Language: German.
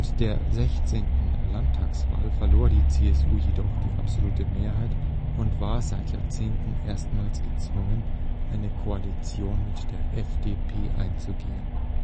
der 16. Landtagswahl verlor die CSU jedoch die absolute Mehrheit und war seit Jahrzehnten erstmals gezwungen, eine Koalition mit der FDP einzugehen